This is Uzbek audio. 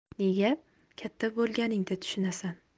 nega katta bo'lganingda tushunasan